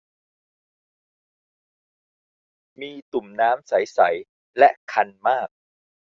มีตุ่มน้ำใสใสและคันมาก